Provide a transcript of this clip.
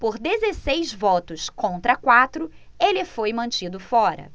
por dezesseis votos contra quatro ele foi mantido fora